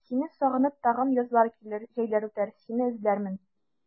Сине сагынып тагын язлар килер, җәйләр үтәр, сине эзләрмен.